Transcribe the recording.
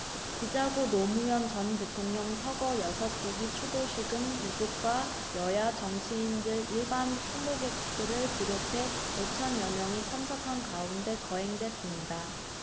기자 고 노무현 전 대통령 서거 여섯 주기 추도식은 유족과 여야 정치인들 일반 추모객을 비롯해 오 천여 명이 참석한 가운데 거행됐습니다